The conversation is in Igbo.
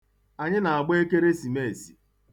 Anyị na-agba Ekeresimeesi.